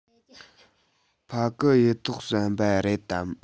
ཕ གི གཡུ ཐོག ཟམ པ རེད དམ